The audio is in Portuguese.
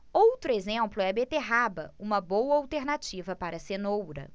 outro exemplo é a beterraba uma boa alternativa para a cenoura